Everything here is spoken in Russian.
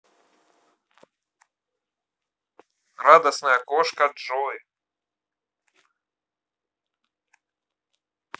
радостная кошка джой